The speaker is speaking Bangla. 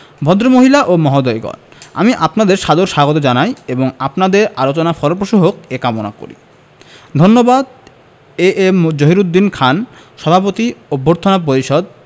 ভদ্রমহিলা ও মহোদয়গণ আমি আপনাদের সাদর স্বাগত জানাই এবং আপনাদের আলোচনা ফলপ্রসূ হোক এ কামনা করি ধন্যবাদ এ এম জহিরুদ্দিন খান সভাপতি অভ্যর্থনা পরিষদ